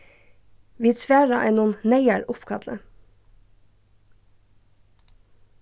vit svara einum neyðaruppkalli